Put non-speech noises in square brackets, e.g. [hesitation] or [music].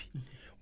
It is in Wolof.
[hesitation]